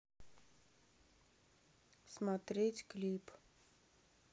смотреть клип